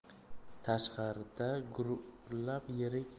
tashqarida gupillab yirik